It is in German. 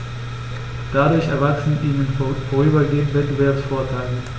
Dadurch erwachsen ihnen vorübergehend Wettbewerbsvorteile.